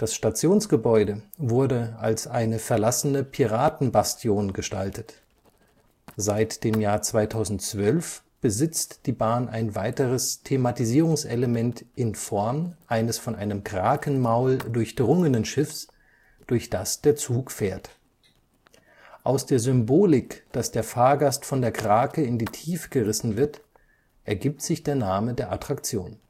Stationsgebäude wurde als eine verlassene Piratenbastion gestaltet. Seit dem Jahr 2012 besitzt die Bahn ein weiteres Thematisierungselement in Form eines von einem Krakenmaul durchdrungenen Schiffs, durch das der Zug fährt. Aus der Symbolik, dass der Fahrgast von der Krake in die Tiefe gerissen wird, ergibt sich der Name der Attraktion